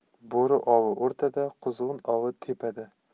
bo'ri ovi o'rtada quzg'un ovi tepada